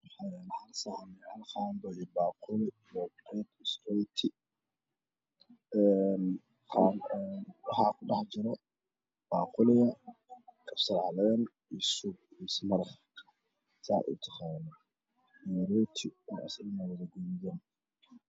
Waxaa yaala Hal saxan iyo hal qaado baaquli waxaa kudhex jira baaquliga kabsar caleen, maraq iyo rooti.